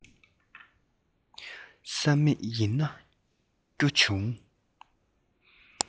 བསམ མེད ཡིན ན སྐྱོ བྱུང